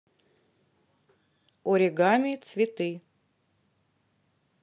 оригами цветы